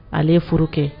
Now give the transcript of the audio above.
Ale ye furu kɛ.